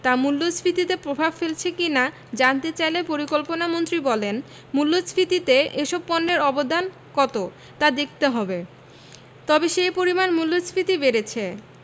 তা মূল্যস্ফীতিতে প্রভাব ফেলছে কি না জানতে চাইলে পরিকল্পনামন্ত্রী বলেন মূল্যস্ফীতিতে এসব পণ্যের অবদান কত তা দেখতে হবে তবে সেই পরিমাণ মূল্যস্ফীতি বেড়েছে